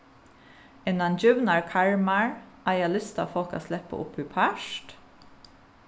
innan givnar karmar eiga listafólk at sleppa upp í part